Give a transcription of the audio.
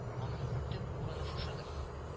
Аның төп урыны шушыдыр